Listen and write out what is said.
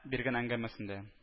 Биргән әңгәмәсендә